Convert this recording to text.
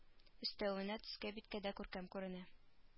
Өстәвенә төскә-биткә дә күркәм күренә